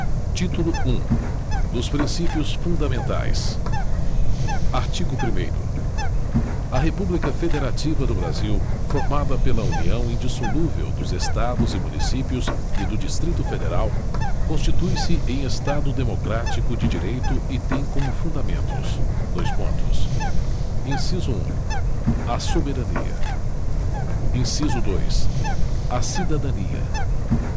título um dos princípios fundamentais artigo primeiro a república federativa do brasil formada pela união indissolúvel dos estados e municípios e do distrito federal constitui se em estado democrático de direito e tem como fundamentos dois pontos inciso um a soberania inciso dois a cidadania